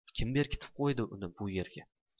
kim berkitib qo'ydi bu yerga